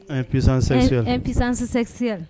Ɛ pzsɛsɛ pz-sɛcsɛ